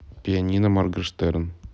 пианино моргенштерн